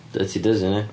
Dirty Dozen, ia?